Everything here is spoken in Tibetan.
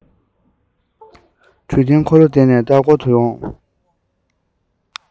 འདྲུད འཐེན འཁོར ལོ ལ བསྡད ནས ལྟ སྐོར ལ འོངས